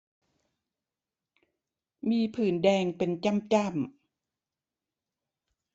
มีผื่นแดงเป็นจ้ำจ้ำ